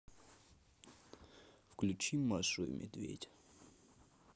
включи машу и медведь